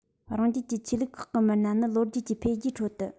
རང རྒྱལ གྱི ཆོས ལུགས ཁག གི མི སྣ ནི ལོ རྒྱུས ཀྱི འཕེལ རྒྱས ཁྲོད དུ